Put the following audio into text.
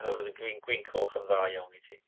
Oherwydd y gwi- gwin coch yn dda iawn i ti.